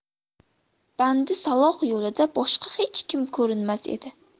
bandi solor yo'lida boshqa hech kim ko'rinmas edi